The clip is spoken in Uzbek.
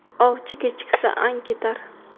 ovchi kechiksa ang ketar